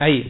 ayi